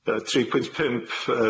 Yy tri pwynt pump yy